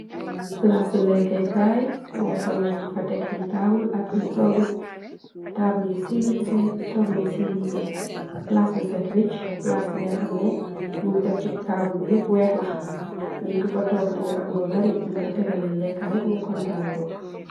Plaasi lekke kaay bi nga xamneh njung fa tek ee taabul ak aiiy toggu, taabul yu sivliseh, tohgu yu sivliseh, plaas bu set wich, plaas bi nga xamneh yingh tek ci taabul bi yehpp weex la, li kufa tok di nga am lu bari, bungh la tegaleh lehkah rek nga kontan mbok.